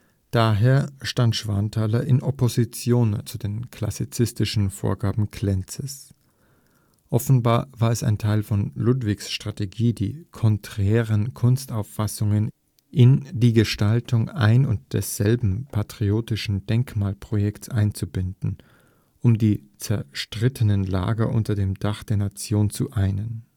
Daher stand Schwanthaler in Opposition zu den klassizistischen Vorgaben Klenzes. Offenbar war es Teil von Ludwigs Strategie, die konträren Kunstauffassungen in die Gestaltung ein und desselben patriotischen Denkmalprojekts einzubinden, um die zerstrittenen Lager unter dem Dach der Nation zu einen